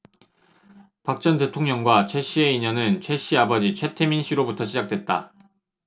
박 전 대통령과 최씨의 인연은 최씨 아버지 최태민씨로부터 시작됐다